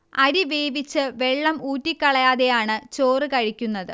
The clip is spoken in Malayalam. അരി വേവിച്ച് വെള്ളം ഊറ്റിക്കളയാതെയാണ് ചോറ് കഴിക്കുന്നത്